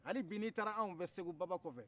hali bi n'i taara aw fɛ segu baba kɔfɛ